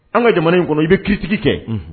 An ka jamana in kɔnɔ i bɛ kitigi kɛ